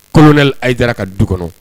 Kɔnɛ a' yeja ka du kɔnɔ